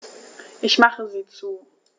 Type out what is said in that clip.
Ich mache sie zu.